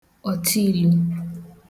ọ̀tịilu